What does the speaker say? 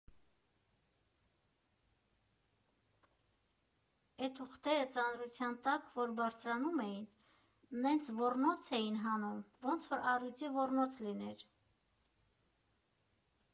Էդ ուղտերը ծանրության տակ որ բարձրանում էին, նենց ոռնոց էին հանում, ոնց որ առյուծի ոռնոց լիներ։